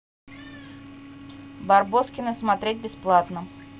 барбоскины смотреть бесплатно